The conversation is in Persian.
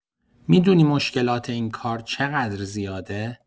می‌دونی مشکلات این کار چقدر زیاده؟